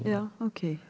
ja ok.